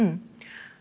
ja.